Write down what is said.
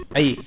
ayi